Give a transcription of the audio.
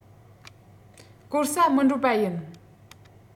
བཀོལ ས མི འགྲོ པ ཡིན